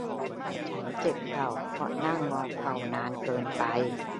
ฉันเจ็บเข่าเพราะนั่งงอเข่านานเกินไป